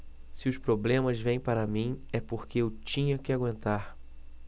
se os problemas vêm para mim é porque eu tinha que aguentar